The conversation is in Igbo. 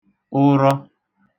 ụrọ